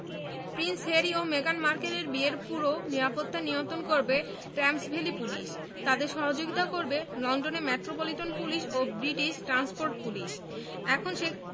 Prince Harry ও মেগান মার্কেলের বিয়ের পুরো নিরাপত্তা নিয়ন্ত্রণ করবে টেমস ভ্যালি পুলিশ তাঁদের সহযোগিতা করবে লন্ডনের মেট্রোপলিটন পুলিশ ও ব্রিটিশ ট্রান্সপোর্ট পুলিশ এখন সে